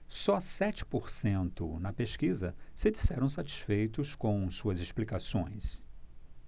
só sete por cento na pesquisa se disseram satisfeitos com suas explicações